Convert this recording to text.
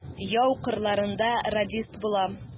Яу кырларында радист була.